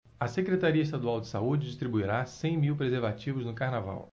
a secretaria estadual de saúde distribuirá cem mil preservativos no carnaval